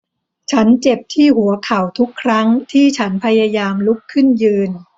ฉันเจ็บที่หัวเข่าทุกครั้งที่ฉันพยายามลุกขึ้นยืน